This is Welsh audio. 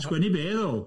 Sgwennu be ddw?